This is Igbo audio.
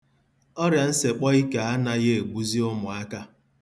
Ọrịansekpọike anaghị egbuzị ụmụaka.